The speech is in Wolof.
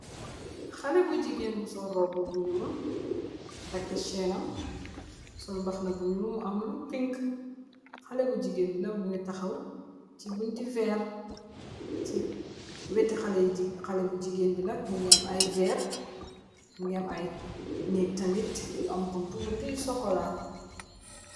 Xale bu jigeen bu sol robbu bu nyuul, tekk ceen nam, sol mbaxana bu nyuul mu am lu pink, xale bu jigeen bi nak mingi taxaw, si bunti veer, si weeti xale bu jigeen bi nak mungi ay veer, mingi am ay neeg tamit, yu am buntu buntu yu sokola,